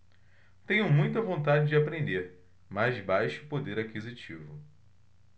tenho muita vontade de aprender mas baixo poder aquisitivo